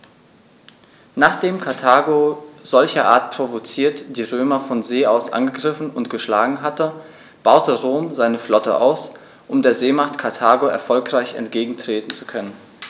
Nachdem Karthago, solcherart provoziert, die Römer von See aus angegriffen und geschlagen hatte, baute Rom seine Flotte aus, um der Seemacht Karthago erfolgreich entgegentreten zu können.